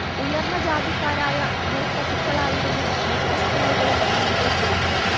ഉയർന്ന ജാതിക്കാരായ ഭൂപ്രഭുക്കളായിരുന്നു മിക്ക സ്കൂളുകളും നിയന്ത്രിച്ചിരുന്നത്